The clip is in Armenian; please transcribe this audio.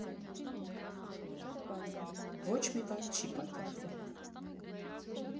Ոչ մի բան չի պատահել…